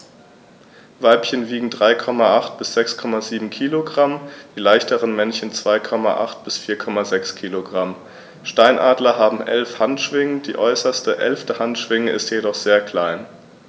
Weibchen wiegen 3,8 bis 6,7 kg, die leichteren Männchen 2,8 bis 4,6 kg. Steinadler haben 11 Handschwingen, die äußerste (11.) Handschwinge ist jedoch sehr klein.